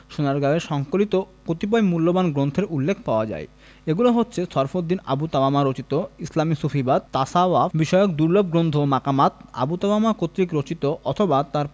সোনারগাঁয়ে সংকলিত কতিপয় মূল্যবান গ্রন্থের উল্লেখ পাওয়া যায় এগুলি হচ্ছে শরফুদ্দীন আবু তাওয়ামা রচিত ইসলামি সুফিবাদ তাছাওয়াফ বিষয়ক দুর্লভ গ্রন্থ মাকামাত আবু তাওয়ামা কর্তৃক রচিত অথবা তাঁর